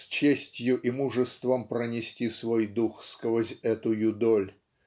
с честью и мужеством пронести свой дух сквозь эту юдоль